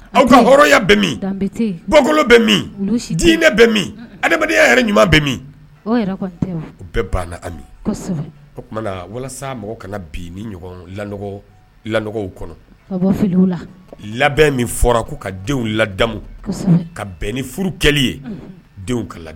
Aw ka hɔrɔnya bɛ bɔkolo bɛ min dinɛ bɛ min adamadenya yɛrɛ ɲuman bɛ min o bɛɛ banna o walasa mɔgɔ ka bi ni law kɔnɔ labɛn min fɔra' ka denw ladamu ka bɛn ni furu kɛli ye denw ka labɛn